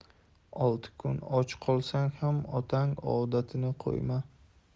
olti kun och qolsang ham otang odatini qo'yma